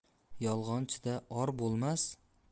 yolg'onchida or bo'lmas